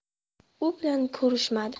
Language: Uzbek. u bilan ko'rishmadi